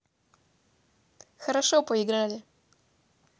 хорошо поиграли